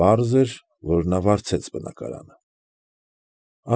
Պարզ էր, որ նա վարձեց բնակարանը։